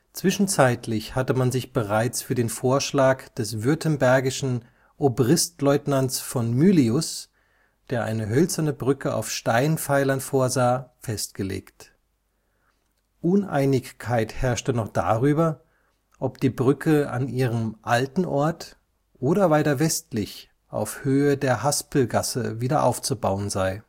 Zwischenzeitlich hatte man sich bereits für den Vorschlag des württembergischen Obristlieutenants von Mylius, der eine hölzerne Brücke auf Steinpfeilern vorsah, festgelegt. Uneinigkeit herrschte noch darüber, ob die Brücke an ihrem alten Ort oder weiter westlich auf Höhe der Haspelgasse wieder aufzubauen sei